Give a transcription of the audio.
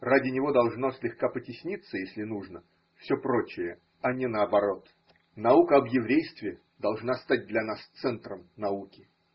ради него должно слегка потесниться, если нужно, все прочее, а не наоборот: наука об еврействе должна стать для нас центром науки.